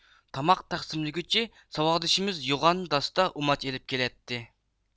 تاماق تەقسىملىگۈچى ساۋاقدىشىمىز يوغان داستا ئۇماچ ئېلىپ كېلەتتى